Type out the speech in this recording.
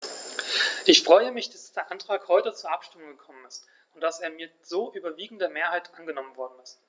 Ich freue mich, dass der Antrag heute zur Abstimmung gekommen ist und dass er mit so überwiegender Mehrheit angenommen worden ist.